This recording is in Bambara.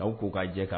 Aw k' k'a jɛ kan